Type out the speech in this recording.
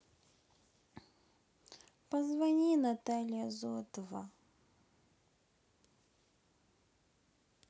позвони наталья зотова